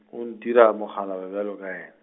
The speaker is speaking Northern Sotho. o ntira mokgalabje bjalo ka yena.